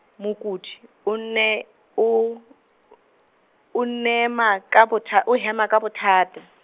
mokudi o ne, o, o nema- ka botha, o hema ka bothata.